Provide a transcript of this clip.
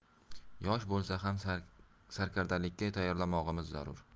yosh bo'lsa ham sarkardalikka tayyorlanmog'i zarur